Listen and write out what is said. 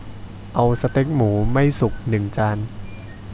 เอาสเต็กหมูไม่สุกหนึ่งจาน